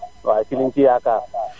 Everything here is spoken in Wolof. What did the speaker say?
waaw ci li ñu si yaakaar